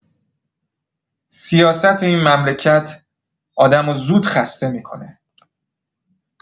سیاست این مملکت آدمو زود خسته می‌کنه.